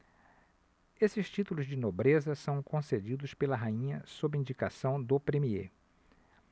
esses títulos de nobreza são concedidos pela rainha sob indicação do premiê